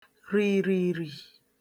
rìrìrì